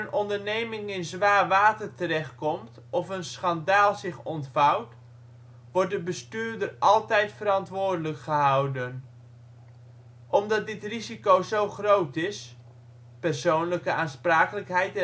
onderneming in zwaar water terecht komt of een schandaal zich ontvouwt, wordt de bestuurder altijd verantwoordelijk gehouden. Omdat dit risico zo groot is (persoonlijke aansprakelijkheid